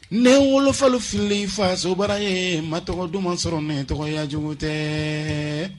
Ne n wolofalofilen fasobara ye ma tɔgɔ duman sɔrɔ n tɔgɔya cogo tɛ